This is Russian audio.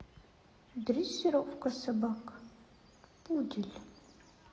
дрессировка собак пудель